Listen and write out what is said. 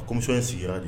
A muso in sigira de